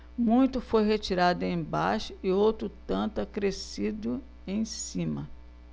muito foi retirado embaixo e outro tanto acrescido em cima